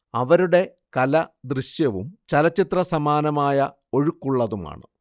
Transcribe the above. അവരുടെ കല ദൃശ്യവും ചലച്ചിത്രസമാനമായ ഒഴുക്കുള്ളതുമാണ്